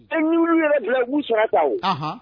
E ŋ yɛrɛ bila' suta